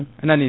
anani